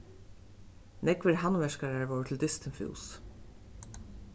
nógvir handverkarar vóru til dystin fús